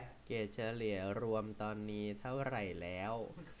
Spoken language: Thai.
เกรดเฉลี่ยรวมตอนนี้เท่าไหร่แล้ว